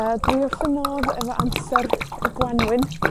A dwi wrth 'y modd efo amser y Gwanwyn.